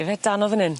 Yfe dan o fyn 'yn?